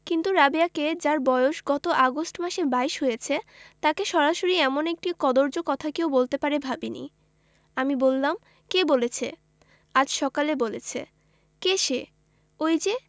কিন্তু রাবেয়াকে যার বয়স গত আগস্ট মাসে বাইশ হয়েছে তাকে সরাসরি এমন একটি কদৰ্য কথা কেউ বলতে পারে ভাবিনি আমি বললাম কে বলেছে আজ সকালে বলেছে কে সে ঐ যে